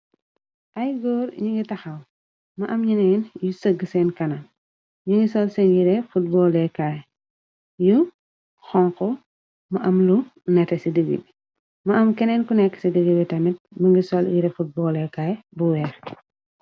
Ay góor ñungi taxaw mu am ñeneen yu sëgga seen kanam ñungi sol seen yire footbaal leekaay yu xonxu mu am lu nete ci dëggi bi ma am keneen ku nekka ci dëgi bi tamit mongi sol yire footbaal leekaay bu weex.